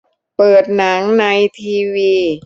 เปิดหนังในทีวี